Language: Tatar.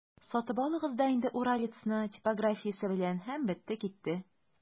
Сатып алыгыз да инде «Уралец»ны типографиясе белән, һәм бетте-китте!